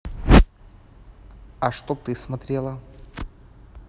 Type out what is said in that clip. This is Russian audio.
а что ты смотрела